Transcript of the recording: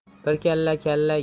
bir kalla kalla